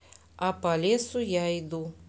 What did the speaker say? а по лесу я иду